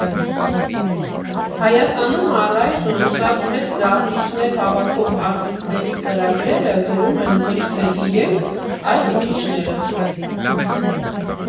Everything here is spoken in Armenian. Հայաստանում առայժմ շատ մեծ դահլիճներ հավաքող արտիստների ծրագրերը գրում են ոչ թե իրենք, այլ ուրիշները։